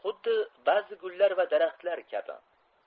xuddi bazi gullar va daraxtlar kabi